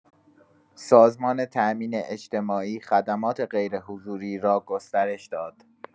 سازمان تأمین‌اجتماعی خدمات غیرحضوری را گسترش داد.